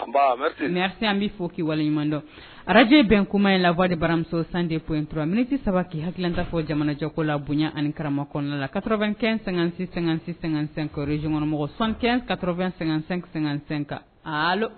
Araj bɛn kuma in la baramuso de fo intura miniti saba k' hakili dafa fɔ jamanajɛko la bonya anikarama kɔnɔna la ka kɛ---sɛ zɔnmɔgɔ san ka--sɛ kan